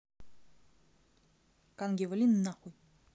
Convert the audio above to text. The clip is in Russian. канги вали нахуй